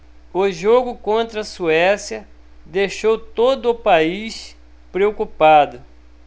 o jogo contra a suécia deixou todo o país preocupado